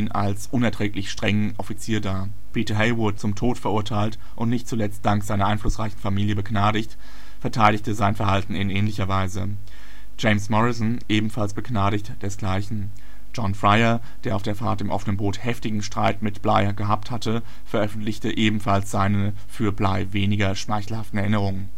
als unerträglich strengen Offizier dar. Peter Heywood, zum Tod verurteilt und nicht zuletzt dank seiner einflussreichen Familie begnadigt, verteidigte sein Verhalten in ähnlicher Weise. James Morrison, ebenfalls begnadigt, desgleichen. John Fryer, der auf der Fahrt im offenen Boot heftigen Streit mit Bligh gehabt hatte, veröffentlichte ebenfalls seine für Bligh weniger schmeichelhaften Erinnerungen